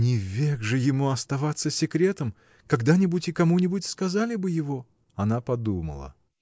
— Не век же ему оставаться секретом: когда-нибудь и кому-нибудь сказали бы его. Она подумала.